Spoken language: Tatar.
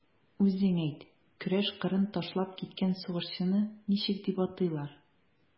Үзең әйт, көрәш кырын ташлап киткән сугышчыны ничек дип атыйлар?